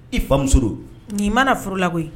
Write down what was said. I famuso n'i mana furu la koyi